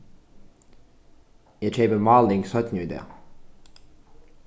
eg keypi máling seinni í dag